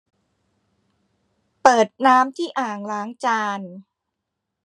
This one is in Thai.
เปิดน้ำที่อ่างล้างจาน